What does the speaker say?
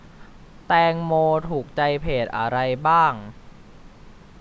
แตงโมถูกใจเพจอะไรบ้าง